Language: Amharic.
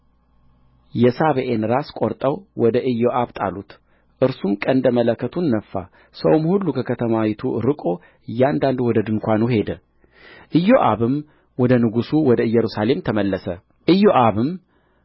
የሳቤዔን ራስ ቈርጠው ወደ ኢዮአብ ጣሉት እርሱም ቀንደ መለከቱን ነፋ ሰውም ሁሉ ከከተማይቱ ርቆ እያንዳንዱ ወደ ድንኳኑ ሄደ ኢዮአብም ወደ ንጉሡ ወደ ኢየሩሳሌም ተመለሰ ኢዮአብም